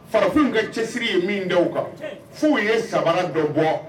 Farafinw ka cɛsiri ye min da u kan cɛn f'u ye sabara bɛ bɔɔ